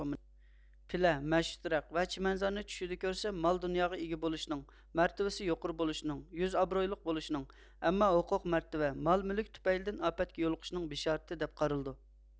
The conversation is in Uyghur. پىلە مەشۈت رەخت ۋە چىمەنزارنى چۈشىدە كۆرسە مال دۇنياغا ئىگە بولۇشنىڭ مەرتىۋىسى يۇقىرى بولۇشنىڭ يۈز ئابرۇيلۇق بولۇشنىڭ ئەمما ھوقوق مەرتىۋە مال مۈلۈك تۈپەيلىدىن ئاپەتكە يولۇقۇشنىڭ بىشارىتى دەپ قارىلىدۇ